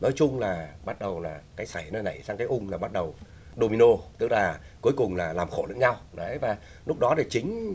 nói chung là bắt đầu là cái sảy nó nảy cái ung là bắt đầu đô mi nô tức là cuối cùng là làm khổ lẫn nhau đấy và lúc đó là chính